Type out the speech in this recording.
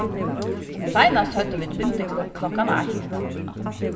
seinast høvdu vit bindiklubb klokkan eitt